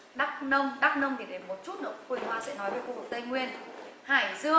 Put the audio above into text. đắc nông đắc nông thì để một chút nữa quỳnh hoa sẽ nói về khu vực tây nguyên hải dương